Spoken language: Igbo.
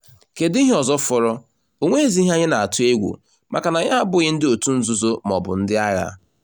Kedu ihe ọzọ fọrọ, o nweghizi ihe anyị na-atụ egwu, maka na anyị abụghị ndị otu nzuzo maọbụ ndị agha.